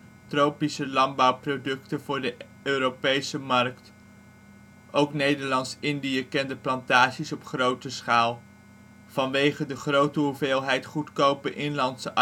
tropische landbouwproducten voor de Europese markt. Ook Nederlands-Indië kende plantages op grote schaal. Vanwege de grote hoeveelheid goedkope inlandse